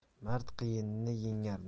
mard qiyinni yengar